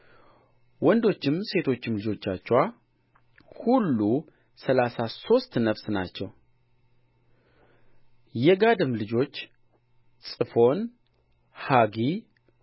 ያዕቆብና ልጆቹ የያዕቆብ በኵር ሮቤል የሮቤልም ልጆች ሄኖኅ ፈሉሶ አስሮን ከርሚ